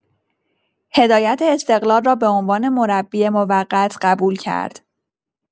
هدایت استقلال را به عنوان مربی موقت قبول کرد.